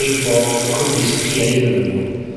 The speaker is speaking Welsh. efo y cwmni sy pia un onyn nw...